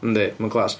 Yndi mae'n class.